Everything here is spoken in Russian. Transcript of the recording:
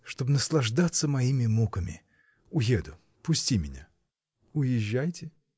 Чтоб наслаждаться моими муками?. Уеду, пусти меня! — Уезжайте!